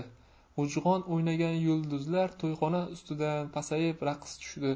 g'ujg'on o'ynagan yulduzlar to'yxona ustida pasayib raqs tushdi